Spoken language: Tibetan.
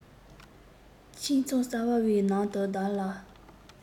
ཁྱིམ ཚང གསར བའི ནང དུ བདག ལ